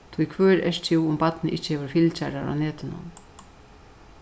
tí hvør ert tú um barnið ikki hevur fylgjarar á netinum